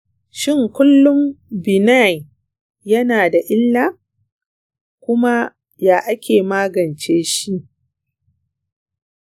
shin ƙullin benign yana da illa, kuma yaya ake magance shi?